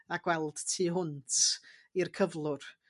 A gweld tu hwnt i'r cyflwr.